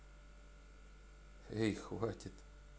эй хватит